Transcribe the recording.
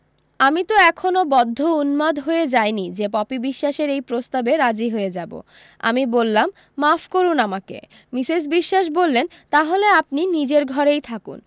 আমি তো এখনও বদ্ধ উন্মাদ হয়ে যাইনি যে পপি বিশ্বাসের এই প্রস্তাবে রাজি হয়ে যাবো আমি বললাম মাফ করুণ আমাকে মিসেস বিশ্বাস বললেন তাহলে আপনি নিজের ঘরেই থাকুন